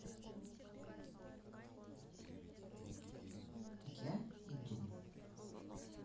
я иду